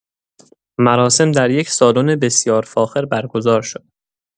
مراسم در یک سالن بسیار فاخر برگزار شد.